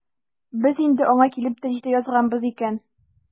Без инде аңа килеп тә җитә язганбыз икән.